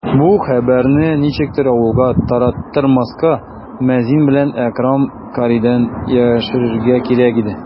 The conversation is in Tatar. Бу хәбәрне ничектер авылга тараттырмаска, мәзин белән Әкрәм каридан яшерергә кирәк иде.